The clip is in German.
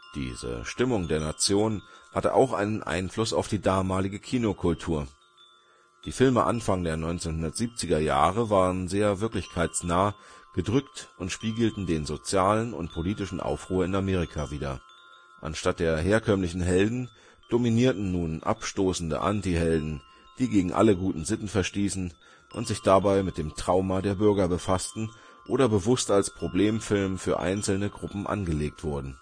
Diese Stimmung der Nation hatte auch einen Einfluss auf die damalige Kinokultur. Die Filme Anfang der 1970er Jahre waren sehr wirklichkeitsnah, gedrückt und spiegelten den sozialen und politischen Aufruhr in Amerika wider. Anstatt der herkömmlichen Helden, dominierten nun abstoßende Antihelden, die gegen alle guten Sitten verstießen und sich dabei mit dem Trauma der Bürger befassten, oder bewusst als Problemfilm für einzelne Gruppen angelegt wurde